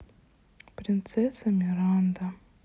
принцесса миранда